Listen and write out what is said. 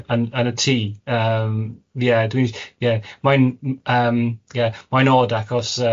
yn yn y tŷ yym ie... Dwi'n s- ie... Mae'n n- yym ie... Mae'n od achos yym